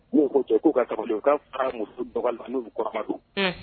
U ko cɛ k'u ka sabali u ka fa kɔrɔma